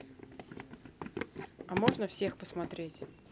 а можно всех посмотреть